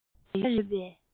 མི འདྲ རེ ཡོད པའི